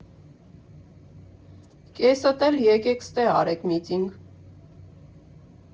Կեսդ էլ էկեք ստե արեք միտինգ։